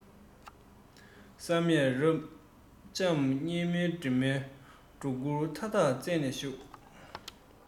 བསམ པས རབ འབྱམས ཉེས སྐྱོན དྲི མའི སྒྲོ སྐུར མཐའ དག རྩད ནས བཞུས